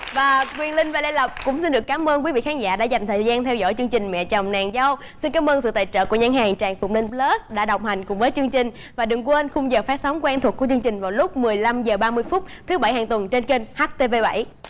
và quyền linh và lê lộc cũng xin được cám ơn quý vị khán giả đã dành thời gian theo dõi chương trình mẹ chồng nàng dâu xin cám ơn sự tài trợ của nhãn hàng tràng phục linh pờ lớt đã đồng hành cùng với chương trình và đừng quên khung giờ phát sóng quen thuộc của chương trình vào lúc mười lăm giờ ba mươi phút thứ bảy hàng tuần trên kênh hát tê vê bảy